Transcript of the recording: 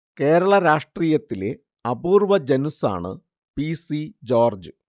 കേരള രാഷ്ട്രീയത്തിലെ അപൂർവ്വ ജനുസ്സാണ് പി. സി ജോർജ്